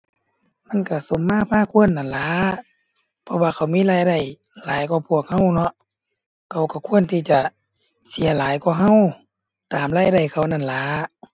มันก็สมมาพาควรนั่นล่ะ เพราะว่าเขามีรายได้หลายกว่าพวกก็เนาะ เขาก็ควรที่จะเสียหลายกว่าก็ ตามรายได้เขานั่นล่ะ